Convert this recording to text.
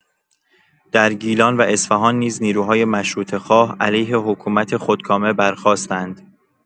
در گیلان و اصفهان نیز نیروهای مشروطه‌خواه علیه حکومت خودکامه برخاستند.